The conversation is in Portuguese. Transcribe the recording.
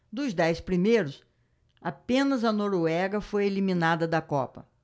dos dez primeiros apenas a noruega foi eliminada da copa